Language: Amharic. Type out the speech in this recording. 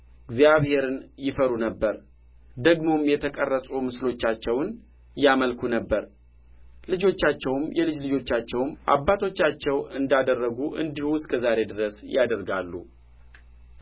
እግዚአብሔርን ይፈሩ ነበር ደግሞም የተቀረጹ ምስሎቻቸውን ያመልኩ ነበር ልጆቻቸውም የልጅ ልጆቻቸውም አባቶቻቸው እንዳደረጉ እንዲሁ እስከ ዛሬ ድረስ ያደርጋሉ